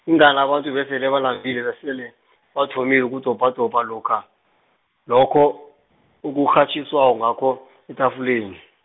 ingani abantu besele balambile besele, bathomile ukudobhadobha lokha, lokho, okukghatjiswa ngakho etafuleni.